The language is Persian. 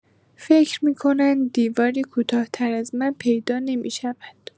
فکر می‌کنند دیواری کوتاه‌تر از من پیدا نمی‌شود.